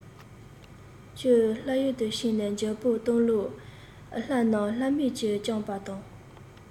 ཁྱོད ལྷ ཡུལ དུ ཕྱིན ནས འཇོན པོ བཏང ལུགས ལྷ རྣམས ལྷ མིན གྱིས བཅོམ པ དང